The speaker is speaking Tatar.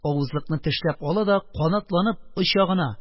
Авызлыкны тешләп ала да канатланып оча гына!